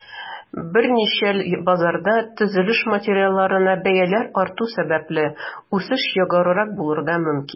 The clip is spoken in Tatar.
Беренчел базарда, төзелеш материалларына бәяләр арту сәбәпле, үсеш югарырак булырга мөмкин.